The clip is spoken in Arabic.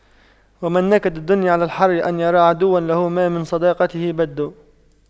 ومن نكد الدنيا على الحر أن يرى عدوا له ما من صداقته بد